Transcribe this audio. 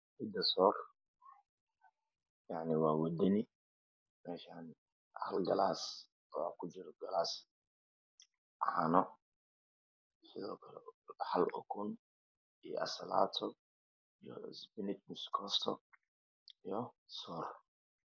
Soor yacni waa wadani meshan halgalaas oo ku jiro galaas caano sidoo kale hal ukun iyo ansalato iyo isbiinij misa koosto iyo soor